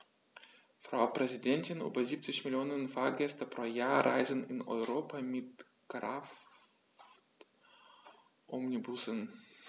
Frau Präsidentin, über 70 Millionen Fahrgäste pro Jahr reisen in Europa mit Kraftomnibussen.